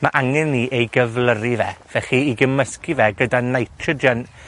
ma' angen ni ei gyflyru fe. Felly, 'i gymysgu fe gyda nitrogen,